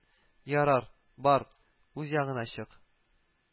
Ярар, бар, үз ягыңа чык